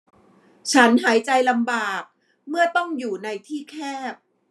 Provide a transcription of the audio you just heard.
ฉันหายใจลำบากเมื่อต้องอยู่ในที่แคบ